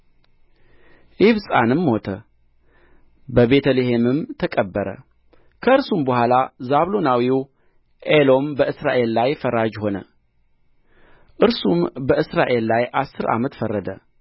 ኢብጻንም ሞተ በቤተ ልሔምም ተቀበረ ከእርሱም በኋላ ዛብሎናዊው ኤሎም በእስራኤል ላይ ፈራጅ ሆነ እርሱም በእስራኤል ላይ አሥር ዓመት ፈረደ